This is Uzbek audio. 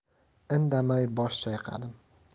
indamay bosh chayqadim